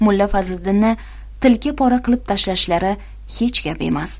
mulla fazliddinni tilka pora qilib tashlashlari hech gap emas